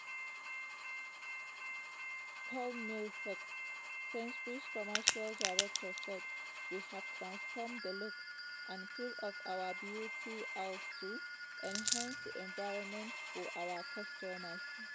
Paul Mills-Hicks, Sainsbury's commercial director, said: "We've transformed the look and feel of our beauty aisles to enhance the environment for our customers.